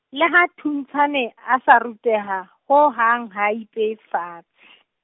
le ha Thuntshane a sa ruteha, ho hang ha a I peye fatse.